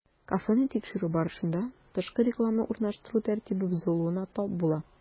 Кафены тикшерү барышында, тышкы реклама урнаштыру тәртибе бозылуына тап була.